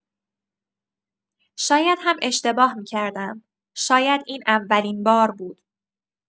شاید هم اشتباه می‌کردم، شاید این اولین بار بود.